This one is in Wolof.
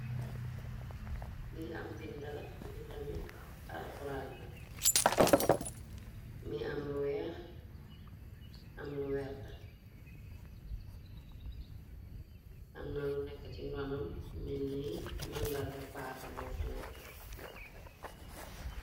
Li am bindala mbinda mi àlxorand mi am lu weex am lu werta amna lu nekk ci ronam menni mën ndarga paakamo fa nekk.